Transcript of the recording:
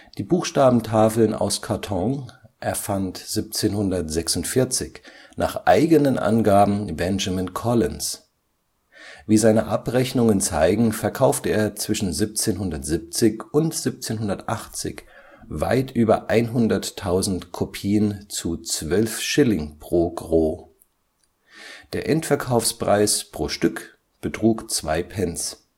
Die Buchstabentafeln aus Karton erfand 1746 nach eigenen Angaben Benjamin Collins. Wie seine Abrechnungen zeigen, verkaufte er zwischen 1770 und 1780 weit über 100.000 Kopien zu zwölf Schilling pro Gros. Der Endverkaufspreis pro Stück betrug zwei Pence